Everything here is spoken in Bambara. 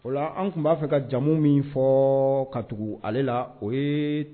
O la an tun b'a fɛ ka jamu min fɔ ka tugu ale la o ye